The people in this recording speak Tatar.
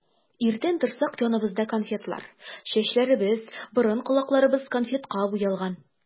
Иртән торсак, яныбызда конфетлар, чәчләребез, борын-колакларыбыз конфетка буялган.